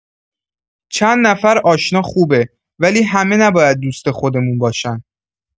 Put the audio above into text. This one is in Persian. چند نفر آشنا خوبه، ولی همه نباید دوست خودمون باشن.